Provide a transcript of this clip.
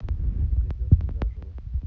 погребенный заживо